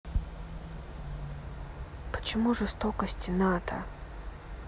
почему жестокостей ната